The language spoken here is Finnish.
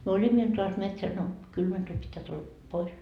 me olimme iltaan asti metsässä no kylmä tuli pitää tulla pois